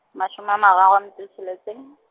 mashome a mararo a metso e tsheletseng.